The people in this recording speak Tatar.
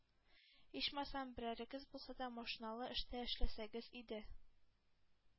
Ичмасам берәрегез булса да машиналы эштә эшләсәгез иде“,